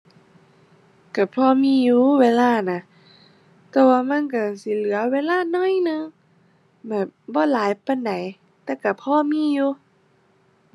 ก็พอมีอยู่เวลาน่ะ แต่ว่ามันก็สิเหลือเวลาน้อยหนึ่ง แบบบ่หลายปานใด แต่ก็พอมีอยู่